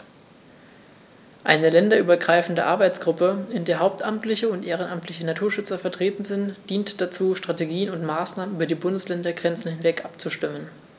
Eine länderübergreifende Arbeitsgruppe, in der hauptamtliche und ehrenamtliche Naturschützer vertreten sind, dient dazu, Strategien und Maßnahmen über die Bundesländergrenzen hinweg abzustimmen.